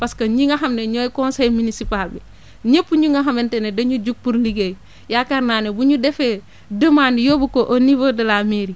parce que ñi nga xam ne ñooy conseil municipal bi ñëpp ñi nga xamante ne dañu jug pour liggéey yaakaar naa ne bu ñu defee demande yóbbu ko au niveau de la mairie